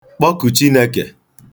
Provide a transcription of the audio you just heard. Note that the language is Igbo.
kpọkù Chinēkè